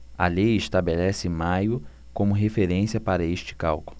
a lei estabelece maio como referência para este cálculo